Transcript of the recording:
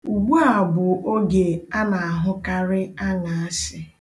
Ugbu a bụ oge ana ahụkarị aṅaashị.